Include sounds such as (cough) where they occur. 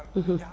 (hesitation) (hesitation)